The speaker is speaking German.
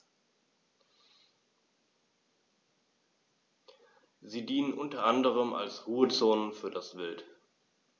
Sie dienen unter anderem als Ruhezonen für das Wild.